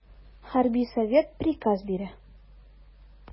Хәрби совет приказ бирә.